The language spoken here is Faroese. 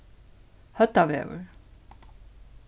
høvdavegur